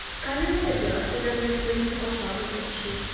Камилла радиациядән йоклый, ашамый, укшый.